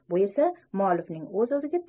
bu esa muallifning o'z o'ziga